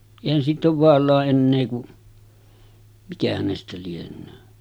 eihän siitä ole Vaalaan enää kuin mikä hänestä lienee